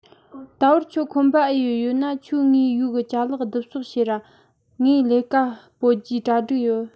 ད བར ཁྱོད ཁོམ པ ཨེ ཡོད ཡོད ན ཁྱོས ངའི ཡུའུ གི ཅག ག བསྡུ གསོག བྱོས ར ངས བྱ བ སྤོད རྒྱུའོ གྲ སྒྲིག ཡེད